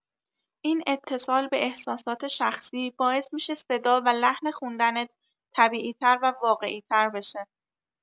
این اتصال به احساسات شخصی باعث می‌شه صدا و لحن خوندنت طبیعی‌تر و واقعی‌تر بشه.